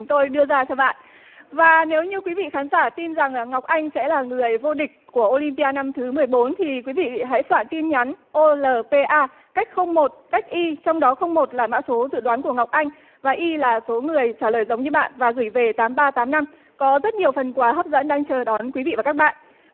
tôi đưa ra cho bạn và nếu như quý vị khán giả tin rằng ngọc anh sẽ là người vô địch của ô lim pi a năm thứ mười bốn thì quý vị hãy soạn tin nhắn ô lờ pê a cách không một cách i trong đó không một là mã số dự đoán của ngọc anh và i là số người trả lời giống như bạn và gửi về tám ba tám năm có rất nhiều phần quà hấp dẫn đang chờ đón quý vị và các bạn